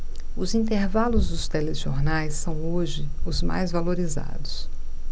os intervalos dos telejornais são hoje os mais valorizados